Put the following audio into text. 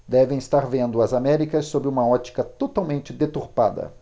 devem estar vendo as américas sob uma ótica totalmente deturpada